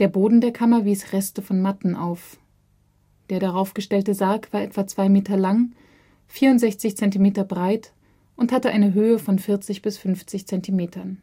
Boden der Kammer wies Reste von Matten auf. Der darauf gestellte Sarg war etwa 2 m lang, 64 cm breit und hatte eine Höhe von 40 bis 50 cm